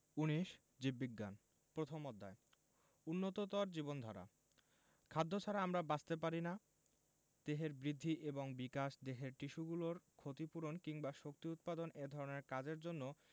১৯ জীববিজ্ঞান প্রথম অধ্যায় উন্নততর জীবনধারা খাদ্য ছাড়া আমরা বাঁচতে পারি না দেহের বৃদ্ধি এবং বিকাশ দেহের টিস্যুগুলোর ক্ষতি পূরণ কিংবা শক্তি উৎপাদন এ ধরনের কাজের জন্য নিয়মিত